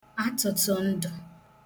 atụ̀tụndụ̄